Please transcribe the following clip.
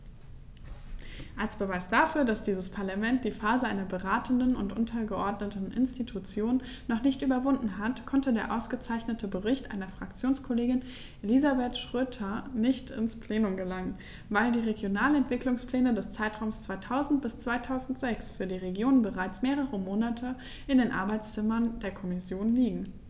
Als Beweis dafür, dass dieses Parlament die Phase einer beratenden und untergeordneten Institution noch nicht überwunden hat, konnte der ausgezeichnete Bericht meiner Fraktionskollegin Elisabeth Schroedter nicht ins Plenum gelangen, weil die Regionalentwicklungspläne des Zeitraums 2000-2006 für die Regionen bereits mehrere Monate in den Arbeitszimmern der Kommission liegen.